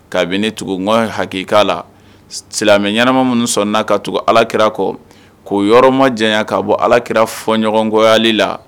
Kabini tugukɔ hakɛkala la silamɛ ɲɛnaɛnɛma minnu sɔnna n'a ka tugu alaki kɔ k'o yɔrɔ ma jan'a bɔ alaki fɔ ɲɔgɔnkɔyali la